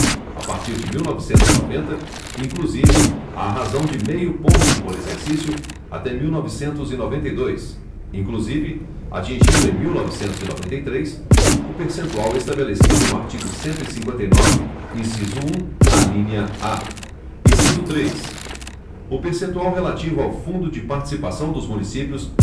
a partir de mil e novecentos e noventa inclusive à razão de meio ponto por exercício até mil e novecentos e noventa e dois inclusive atingindo em mil e novecentos e noventa e três o percentual estabelecido no artigo cento e cinquenta e nove inciso um alínea a inciso três o percentual relativo ao fundo de participação dos municípios